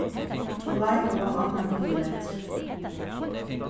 umleið hálvan annan kilometur